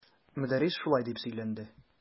Мөдәррис шулай дип сөйләнде.